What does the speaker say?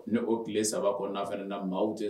Ni o tile saba kɔnɔ n'a fɛ ne na maa tɛ